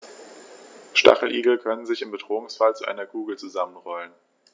Stacheligel können sich im Bedrohungsfall zu einer Kugel zusammenrollen.